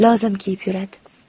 lozim kiyib yuradi